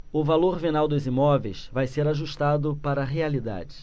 o valor venal dos imóveis vai ser ajustado para a realidade